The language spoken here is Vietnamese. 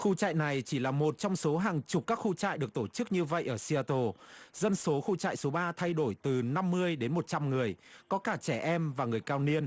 khu trại này chỉ là một trong số hàng chục các khu trại được tổ chức như vậy ở si a tô dân số khu trại số ba thay đổi từ năm mươi đến một trăm người có cả trẻ em và người cao niên